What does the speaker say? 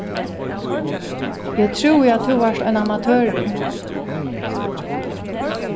eg trúði at tú vart ein amatørur